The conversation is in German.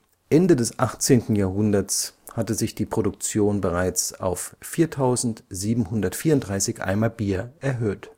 Ende des 18. Jahrhunderts hatte sich die Produktion bereits auf 4734 Eimer Bier erhöht